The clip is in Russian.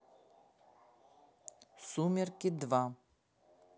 сумерки два